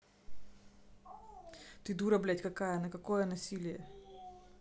ты дура блядь какая на какой насилие